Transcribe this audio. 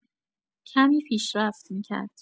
کمی پیشرفت می‌کرد.